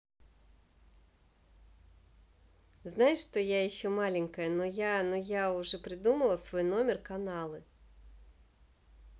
знаешь что я еще маленькая но я но я уже придумала свой номер каналы